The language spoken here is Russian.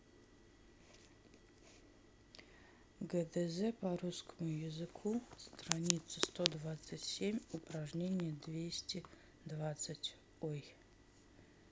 гдз по русскому языку страница сто двадцать семь упражнение двести двадцать ой